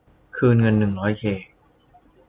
คืนเงินหนึ่งร้อยเค